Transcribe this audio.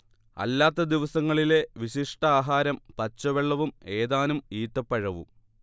അല്ലാത്ത ദിവസങ്ങളിലെ വിശിഷ്ടാഹാരം പച്ചവെള്ളവും ഏതാനും ഈത്തപ്പഴവും